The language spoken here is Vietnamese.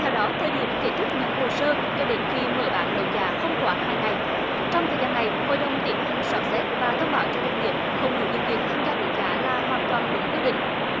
theo đó thời điểm kết thúc nhận hồ sơ cho đến khi mở bán đấu giá không quá hai ngày trong thời gian này hội đông tiến hành soát xét và thông báo cho doanh nghiệp không đủ điều kiện tham gia đấu giá là hoàn toàn đúng quy định